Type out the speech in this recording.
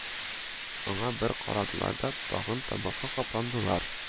Аңар бер карадылар да, тагын табакка капландылар